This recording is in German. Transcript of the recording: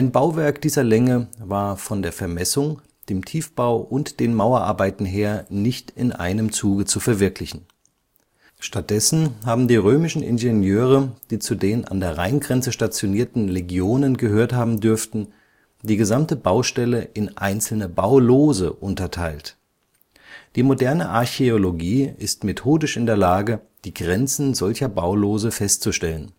Bauwerk dieser Länge war von der Vermessung, dem Tiefbau und den Mauerarbeiten her nicht in einem Zuge zu verwirklichen. Stattdessen haben die römischen Ingenieure, die zu den an der Rheingrenze stationierten Legionen gehört haben dürften, die gesamte Baustelle in einzelne Baulose unterteilt. Die moderne Archäologie ist methodisch in der Lage, die Grenzen solcher Baulose festzustellen